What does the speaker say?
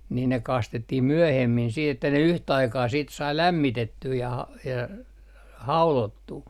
niin ne kastettiin myöhemmin sitten että ne yhtä aikaa sitten sai lämmitettyä ja -- haudottua